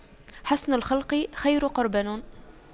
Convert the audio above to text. حُسْنُ الخلق خير قرين